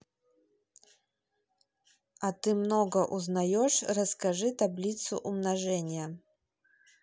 а ты много узнаешь расскажи таблицу умножения